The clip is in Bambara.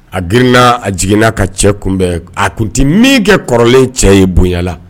A girinna a jiginnaa ka cɛ kunbɛn a tun tɛ min kɛ kɔrɔlen cɛ ye bonyala